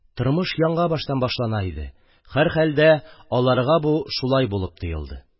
Тормыш яңабаштан башлана иде – һәрхәлдә, аларга бу шулай булып тоелды.